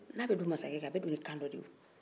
n'a bɛ don masakɛ kan a bɛ don ni kan dɔ de ye o